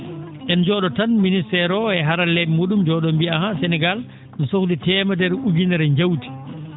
en njoo?oto tan ministére o e harallee?e mu?um njoo?o mbiya ahan Sénégal no sohli teemedere ujunere njawdi